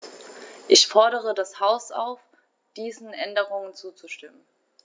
Ich fordere das Haus auf, diesen Änderungen zuzustimmen.